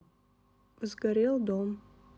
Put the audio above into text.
в сгорел дом